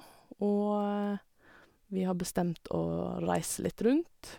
Og vi har bestemt å reise litt rundt.